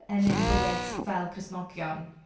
Yn ein bywyd fel Cristnogion.